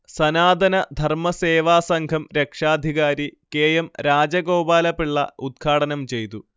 സനാതന ധർമസേവാസംഘം രക്ഷാധികാരി K M Rajagopalapillai ഉദ്ഘാടനം ചെയ്തു